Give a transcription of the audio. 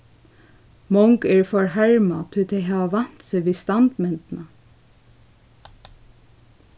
mong eru forharmað tí tey hava vant seg við standmyndina